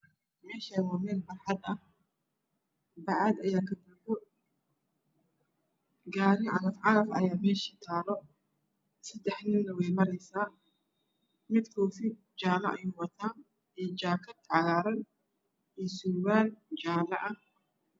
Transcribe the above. Meshan waa mel barxad ah bacad aya kabuxo gari cagaf cagaf aya mesha taalo sadax nin wey maresa mid kofi jolo ayu wata iyo jakad cagaran iyo surwal jala ah